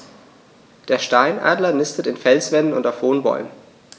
Der Steinadler nistet in Felswänden und auf hohen Bäumen.